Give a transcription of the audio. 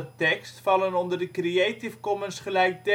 23 ' NB, 6°